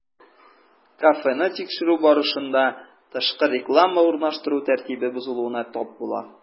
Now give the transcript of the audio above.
Кафены тикшерү барышында, тышкы реклама урнаштыру тәртибе бозылуына тап була.